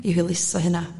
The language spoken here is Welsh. i hwyluso hynna